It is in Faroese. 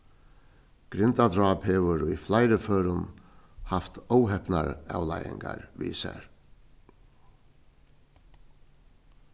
grindadráp hevur í fleiri førum havt óhepnar avleiðingar við sær